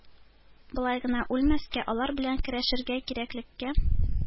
Болай гына үлмәскә, алар белән көрәшергә кирәклеккә